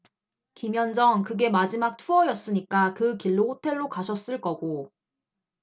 김현정 그게 마지막 투어였으니까 그 길로 호텔로 가셨을 거고